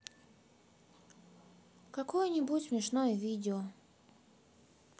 какое нибудь смешное видео